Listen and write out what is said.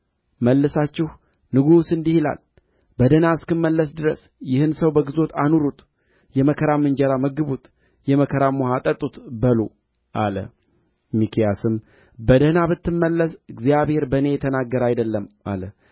መልሳችሁ ንጉሡ እንዲህ ይላል በደኅና እስክመለስ ድረስ ይህን ሰው በግዞት አኑሩት የመከራም እንጀራ መግቡት የመከራም ውኃ አጠጡት በሉ አለ ሚክያስም በደኅና ብትመለስ እግዚአብሔር በእኔ የተናገረ አይደለም አለ